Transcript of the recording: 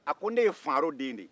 a ko ne ye faro den de ye